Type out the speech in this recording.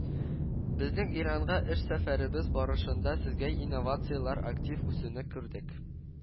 Безнең Иранга эш сәфәребез барышында сездә инновацияләр актив үсүне күрдек. Бе